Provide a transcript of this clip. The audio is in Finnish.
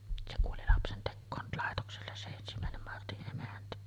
se kuoli lapsentekoon laitokselle se ensimmäinen Martin emäntä